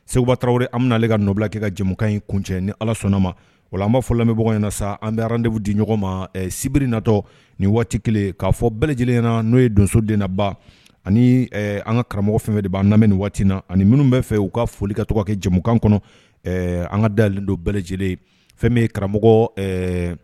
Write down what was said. Segubataraw ami bɛale ka nafolobilakɛ ka jamukan in kun cɛ ni ala sɔnna ma wala an b' fɔlen bɛ bɔy na sa an bɛ dbu di ɲɔgɔn ma sibiri natɔ ni waati kelen k'a fɔ bɛɛ lajɛlen na n'o ye donso den naba ani an ka karamɔgɔ fɛn fɛ de b' an lamɛn waatiina ani minnu bɛ fɛ y uu ka foli ka tɔgɔ kɛ jamukan kɔnɔ an ka dalen don bɛɛ lajɛlen fɛn bɛ karamɔgɔ